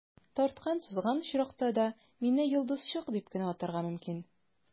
Тарткан-сузган очракта да, мине «йолдызчык» дип кенә атарга мөмкин.